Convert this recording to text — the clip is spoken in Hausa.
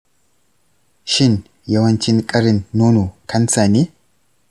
shin yawancin ƙarin nono kansa ne?